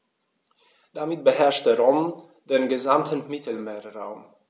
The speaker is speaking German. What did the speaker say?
Damit beherrschte Rom den gesamten Mittelmeerraum.